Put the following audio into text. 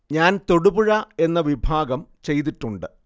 ഞാന്‍ തൊടുപുഴ എന്ന വിഭാഗം ചെയ്തിട്ടുണ്ട്